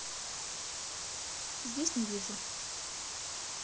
здесь не вижу